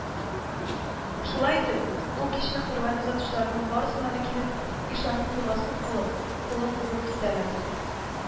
Шулай итеп, ул кичне кәрван озатучыларның барсы да килеп, ишанның догасын алып, кулын үбеп китәләр